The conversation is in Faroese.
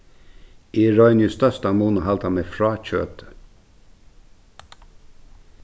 eg royni í størstan mun at halda meg frá kjøti